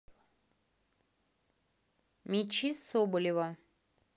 мячи соболева